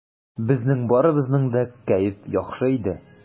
Безнең барыбызның да кәеф яхшы иде.